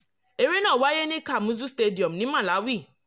Eré náà wáyé ní Kamuzu Stadium ní Malawi.